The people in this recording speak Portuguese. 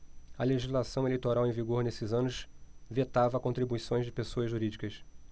a legislação eleitoral em vigor nesses anos vetava contribuições de pessoas jurídicas